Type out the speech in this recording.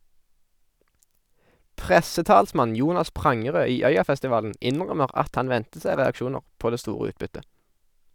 Pressetalsmann Jonas Prangerød i Øyafestivalen innrømmer at han ventet seg reaksjoner på det store utbyttet.